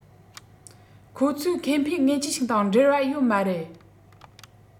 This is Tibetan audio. ཁོ ཚོའི ཁེ ཕན ངེས ཅན ཞིག དང འབྲེལ བ ཡོད མ རེད